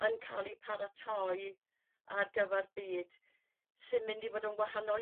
yn ca'l 'u paratoi ar gyfar byd sy'n mynd i fod yn wahanol